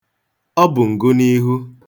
Ọ bụ ngụniihu.